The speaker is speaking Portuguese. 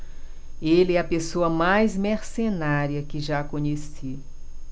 ela é a pessoa mais mercenária que já conheci